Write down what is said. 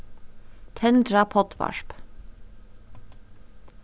tendra poddvarp